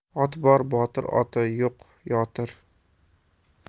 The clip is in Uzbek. oti bor botir oti yo'q yotir